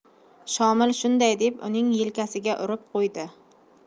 shomil shunday deb uning yelkasiga urib qo'ydi